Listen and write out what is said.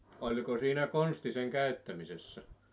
oliko siinä konsti sen käyttämisessä